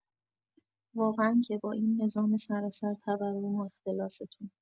واقعا که با این نظام سراسر تورم و اختلاستون